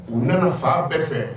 U nana faa bɛɛ fɛ